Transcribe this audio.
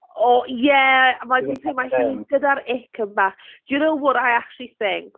O, ie! Mae... dwi'n credu mae hi gyda'r ick mbach. Do you know what I actually think?